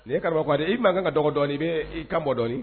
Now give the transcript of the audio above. Nin ye karamɔgɔ i m ma kan ka dɔgɔn dɔni i bɛ'i ka mɔdɔnɔni